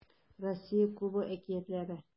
Россия Кубогы әкиятләре